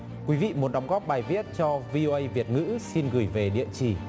quý vị muốn đóng góp bài viết cho vi âu ây việt ngữ xin gửi về địa chỉ